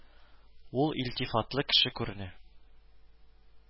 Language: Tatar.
Ул илтифатлы кеше күренә